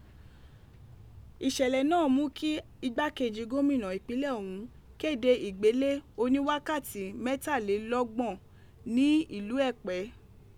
Iṣẹlẹ naa mu ki igbakeji gomina ipinlẹ ọhun kede igbele oni wakati mẹtalelọgbọn ni ilu Ẹ̀pẹ́.